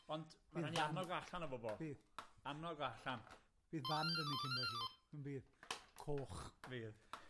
ond ma rai ni annog o allan o bobol. Bydd. Annog o allan. Bydd fan 'da ni cyn bo' hir. On' fydd? Coch. Fydd.